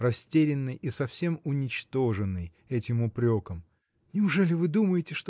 растерянный и совсем уничтоженный этим упреком – неужели вы думаете